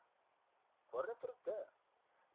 ko'rinib turibdi